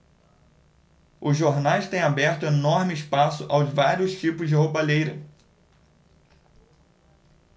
os jornais têm aberto enorme espaço aos vários tipos de roubalheira